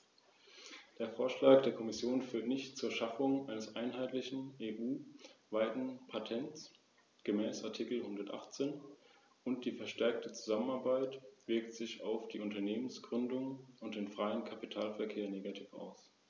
Daher ist es nicht annehmbar, die Umsetzung auf einen späteren Zeitpunkt zu verschieben.